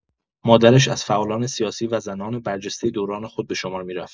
مادرش از فعالان سیاسی و زنان برجسته دوران خود به شمار می‌رفت.